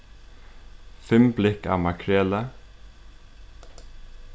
fimm blikk av makreli